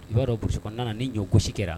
O y' yɔrɔuru kɔnɔna ni ɲɔgosi kɛra